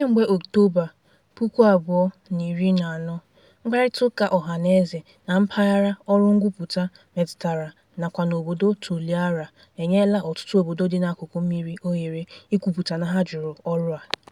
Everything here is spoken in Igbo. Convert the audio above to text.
Kemgbe Ọktoba 2014, mkparịtaụka ọhanaeze na mpaghara ọrụ ngwupụta metụtara nakwa n'obodo Toliara enyela ọtụtụ obodo dị n'akụkụ mmiri ohere ikwupụta na ha jụrụ ọrụ a.